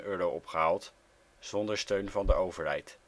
euro opgehaald zonder steun van de overheid